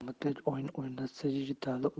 homidbek ot o'ynatsa yigitali